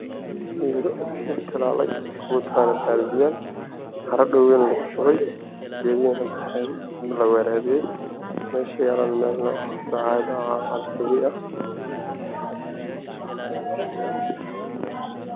Meeshaan waxaa muuqdo geedo la talaalay